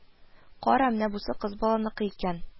Кара, менә бусы кыз баланыкы икән